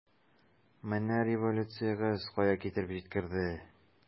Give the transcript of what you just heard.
Менә революциягез кая китереп җиткерде!